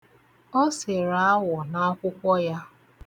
O sere awọ n'akwụkwọ ya.